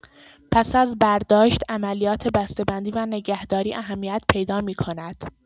پس از برداشت، عملیات بسته‌بندی و نگهداری اهمیت پیدا می‌کند.